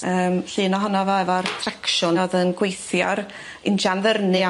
###yym llun ohono fo efo'r tracsiwn o'dd yn gweithio'r injan ddyrnu